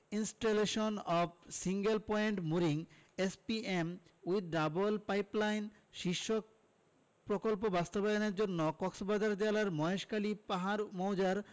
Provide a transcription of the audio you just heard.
installation of single point mooring SPM with double pipeline শীর্ষক প্রকল্প বাস্তবায়নের জন্য কক্সবাজার জেলার মহেশখালীর পাহাড় মৌজার